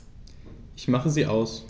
Ich mache sie aus.